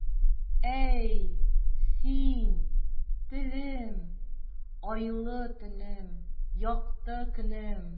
Әй, син, телем, айлы төнем, якты көнем.